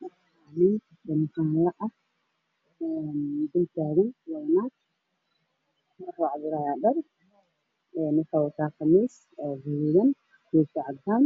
Waxaa ii muuqda nin iyo laba gabdhood ninka waxa uu cabirayaa dhar ka khamiis ayuu qabaa qaxooy